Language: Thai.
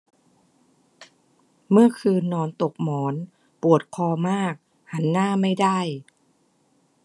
เมื่อคืนนอนตกหมอนปวดคอมากหันหน้าไม่ได้